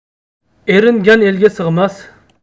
eringan elga sig'mas